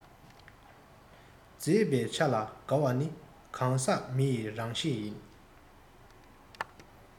མཛེས པའི ཆ ལ དགའ བ ནི གང ཟག མི ཡི རང གཤིས ཡིན